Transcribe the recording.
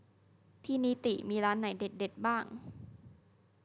ที่นิติมีร้านไหนเด็ดเด็ดบ้าง